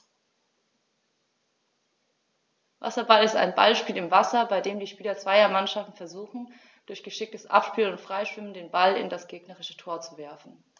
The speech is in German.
Wasserball ist ein Ballspiel im Wasser, bei dem die Spieler zweier Mannschaften versuchen, durch geschicktes Abspielen und Freischwimmen den Ball in das gegnerische Tor zu werfen.